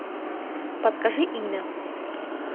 подскажи имя